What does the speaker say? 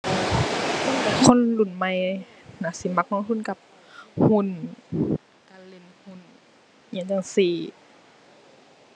คนรุ่นใหม่น่าสิมักลงทุนกับหุ้น การเล่นหุ้นอิหยังจั่งซี้